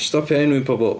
Stopia enwi pobol.